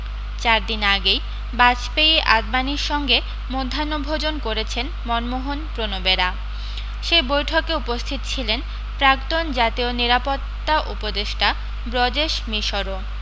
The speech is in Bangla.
চার দিন আগেই বাজপেয়ী আডবাণীর সঙ্গে মধ্যাহ্নভোজন করেছেন মনমোহন প্রণবেরা সেই বৈঠকে উপস্থিত ছিলেন প্রাক্তন জাতীয় নিরাপত্তা উপদেষ্টা ব্রজেশ মিশরও